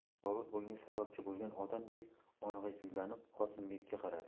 bobur bunga sababchi bo'lgan odamdek o'ng'aysizlanib qosimbekka qaradi